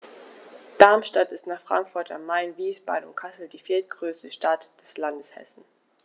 Darmstadt ist nach Frankfurt am Main, Wiesbaden und Kassel die viertgrößte Stadt des Landes Hessen